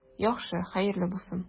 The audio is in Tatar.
Яхшы, хәерле булсын.